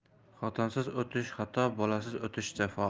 xotinsiz o'tish xato bolasiz o'tish jafo